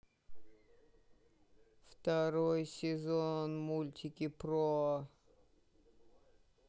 второй сензон мультики про